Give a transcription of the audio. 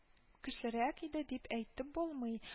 Көчлерәк иде дип әйтеп булмый